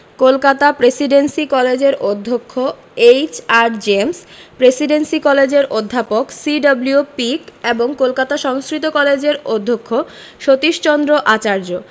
Kolkata Presidency কলেজের অধ্যক্ষ H R James Presidency কলেজের অধ্যাপক সি.ডব্লিউ পিক এবং কলকাতা সংস্কৃত কলেজের অধ্যক্ষ সতীশচন্দ্র আচার্য